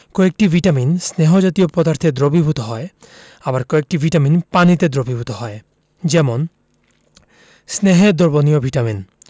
কয়েকটি ভিটামিন স্নেহ জাতীয় পদার্থে দ্রবীভূত হয় আবার কয়েকটি ভিটামিন পানিতে দ্রবীভূত হয় যেমন স্নেহে দ্রবণীয় ভিটামিন